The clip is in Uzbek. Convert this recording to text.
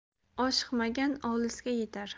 oshiqmagan olisga yetar